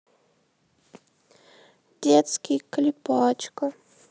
детский клипачка